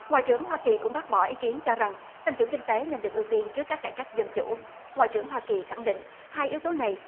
ngoại trưởng hoa kỳ cũng bác bỏ ý kiến cho rằng tăng trưởng kinh tế nên được ưu tiên trước các cải cách dân chủ ngoại trưởng hoa kỳ khẳng định hai yếu tố này